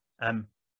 yym.